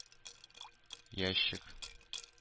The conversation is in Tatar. Ящик